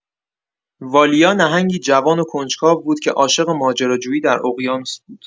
والیا نهنگی جوان و کنجکاو بود که عاشق ماجراجویی در اقیانوس بود.